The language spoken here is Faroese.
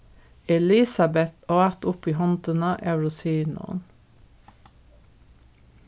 elisabet át upp í hondina av rosinum